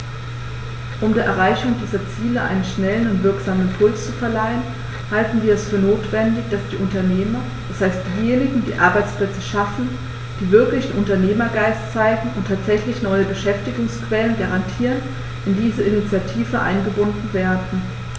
Um der Erreichung dieser Ziele einen schnellen und wirksamen Impuls zu verleihen, halten wir es für notwendig, dass die Unternehmer, das heißt diejenigen, die Arbeitsplätze schaffen, die wirklichen Unternehmergeist zeigen und tatsächlich neue Beschäftigungsquellen garantieren, in diese Initiative eingebunden werden.